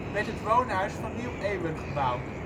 werd het woonhuis van Nieuw Ewer gebouwd